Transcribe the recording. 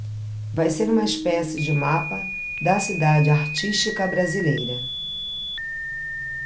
vai ser uma espécie de mapa da cidade artística brasileira